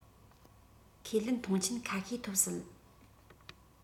ཁས ལེན མཐོང ཆེན ཁ ཤས ཐོབ སྲིད